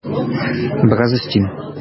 Бераз өстим.